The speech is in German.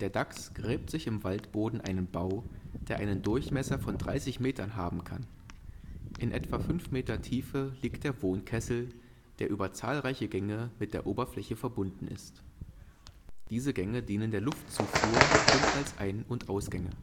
Dachs gräbt sich im Waldboden einen Bau, der einen Durchmesser von 30 Metern haben kann. In etwa fünf Meter Tiefe liegt der Wohnkessel, der über zahlreiche Gänge mit der Oberfläche verbunden ist. Diese Gänge dienen der Luftzufuhr und als Ein - und Ausgänge